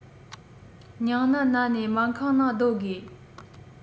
སྙིང ནད ན ནས སྨན ཁང ནང སྡོད དགོས